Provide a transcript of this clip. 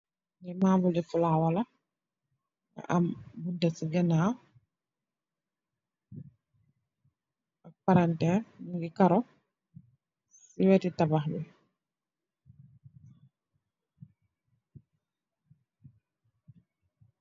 Li mabu li flower la am bu teck si ganaw palanterr mogi karo si weti tabax bi.